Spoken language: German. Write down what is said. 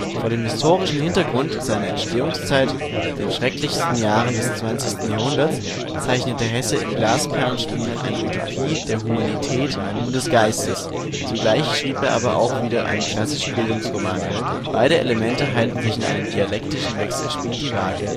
Vor dem historischen Hintergrund seiner Entstehungszeit, den schrecklichsten Jahren des 20. Jahrhunderts, zeichnete Hesse im " Glasperlenspiel " eine Utopie der Humanität und des Geistes, zugleich schrieb er aber auch wieder einen klassischen Bildungsroman. Beide Elemente halten sich in einem dialektischen Wechselspiel die Waage